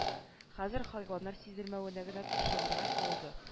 Хәзер хайваннар сиземләвенә генә ышанырга калды